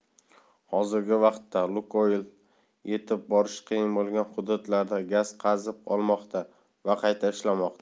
hozirgi vaqtda lukoyl yetib borish qiyin bo'lgan hududlarda gaz qazib olmoqda va qayta ishlamoqda